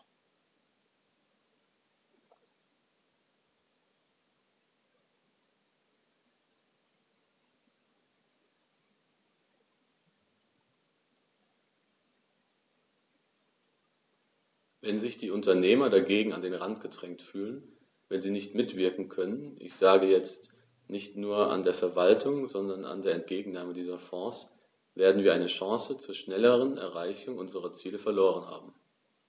Wenn sich die Unternehmer dagegen an den Rand gedrängt fühlen, wenn sie nicht mitwirken können ich sage jetzt, nicht nur an der Verwaltung, sondern an der Entgegennahme dieser Fonds , werden wir eine Chance zur schnelleren Erreichung unserer Ziele verloren haben.